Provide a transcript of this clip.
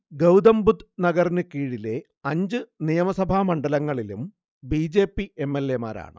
ഗൗതംബുദ്ധ് നഗറിനു കീഴിലെ അഞ്ചു നിയമസഭാ മണ്ഡലങ്ങളിലും B. J. P M. L. A മാരാണ്